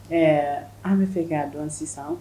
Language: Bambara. Ɛɛ an be fɛ ka dɔn sisan